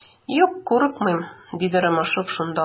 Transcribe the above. Юк, курыкмыйм, - диде Ромашов шунда ук.